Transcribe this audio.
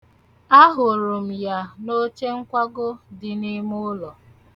Ahụrụ m ya n'ochenkwago dị n'imulọ.